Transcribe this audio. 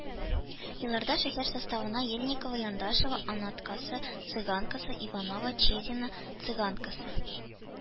Елларда шәһәр составына ельниково, яндашево, анаткасы, цыганкасы, иваново, чедино, цыганкасы